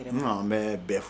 vraiment Ne bɛ bɛɛ fɔ